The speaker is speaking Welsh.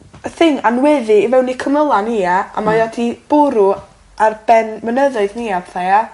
y thing anweddu i mewn i cymyla' ni ia? A mae o 'di bwrw ar ben mynyddoedd ni a petha ie?